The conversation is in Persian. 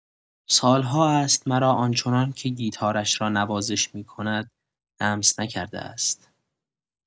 سال‌ها است مرا آن‌چنان که گیتارش را نوازش می‌کند لمس نکرده است.